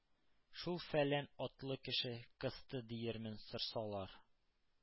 Шул фәлән атлы кеше кысты диермен сорсалар.